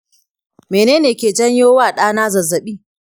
mene ne ke janyo wa ɗana zazzabi?